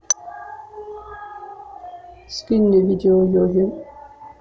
скинь мне видео йоги